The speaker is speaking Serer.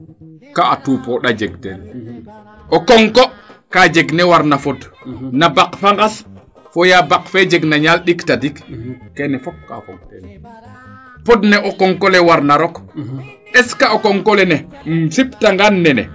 kaa a puponda jeg teen o konko kaa jeg nee warna fod na baq fa ŋas fo yaa baq fee jeg na ñaal ɗik tadik keene fop kaa fog teen pod ne o konko le warna rok est ce que o konko lene im sipta ngaan nene